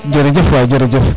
jerejef waay jerejef